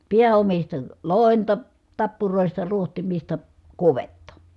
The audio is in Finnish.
pääomista loimea tappuroista rohtimista kudetta